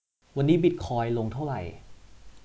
วันนี้บิทคอยน์ลงเท่าไหร่